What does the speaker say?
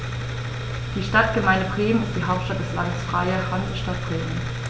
Die Stadtgemeinde Bremen ist die Hauptstadt des Landes Freie Hansestadt Bremen.